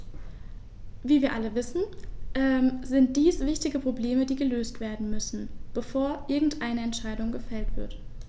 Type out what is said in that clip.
Wie wir alle wissen, sind dies wichtige Probleme, die gelöst werden müssen, bevor irgendeine Entscheidung gefällt wird.